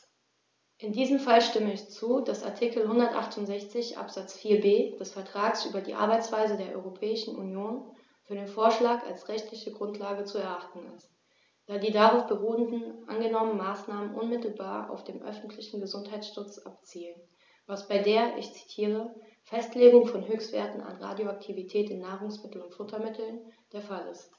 In diesem Fall stimme ich zu, dass Artikel 168 Absatz 4b des Vertrags über die Arbeitsweise der Europäischen Union für den Vorschlag als rechtliche Grundlage zu erachten ist, da die auf darauf beruhenden angenommenen Maßnahmen unmittelbar auf den öffentlichen Gesundheitsschutz abzielen, was bei der - ich zitiere - "Festlegung von Höchstwerten an Radioaktivität in Nahrungsmitteln und Futtermitteln" der Fall ist.